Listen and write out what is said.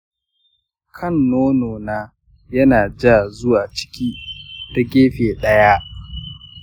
kan nono na yana ja zuwa ciki ta gefe ɗaya